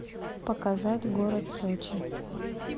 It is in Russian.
показать город сочи